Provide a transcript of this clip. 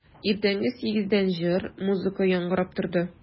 Иртәнге сигездән җыр, музыка яңгырап торды.